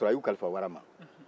k'a sɔrɔ a y'u kalifa wara ma